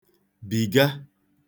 -bìga